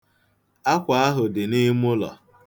Akwa ahụ dị n'imụlọ.